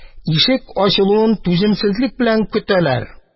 Ишек ачылуын түземсезлек белән көтәләр.